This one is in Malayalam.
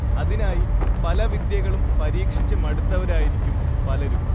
അതിനായി പല വിദ്യകളും പരീക്ഷച്ച് മടുത്തവരായിരിക്കും പലരും